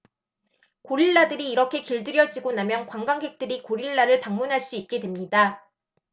고릴라들이 이렇게 길들여지고 나면 관광객들이 고릴라를 방문할 수 있게 됩니다